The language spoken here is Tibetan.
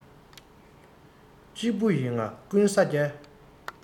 གཅིག པུ ཡིན ང ཀུན ས རྒྱལ